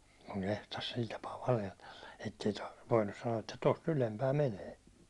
kun kehtasi sillä tapaa valehdella että ei - voinut sanoa että tuosta ylempää menee